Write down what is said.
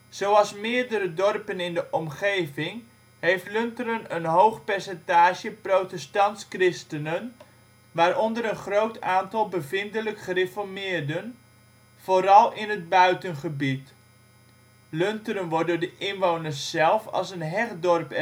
Zoals meerdere dorpen in de omgeving, heeft Lunteren een hoog percentage protestants-christenen, waaronder een groot aantal bevindelijk gereformeerden, vooral in het buitengebied. Lunteren wordt door de inwoners zelf als een hecht dorp ervaren